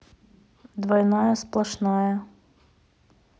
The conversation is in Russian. двойная сплошная